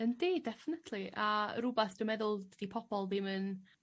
Yndi definately a rwbath dwi meddwl 'di pobol ddim yn